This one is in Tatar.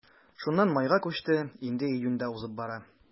Шуннан майга күчте, инде июнь дә узып бара.